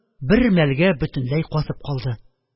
Бермәлгә бөтенләй катып калды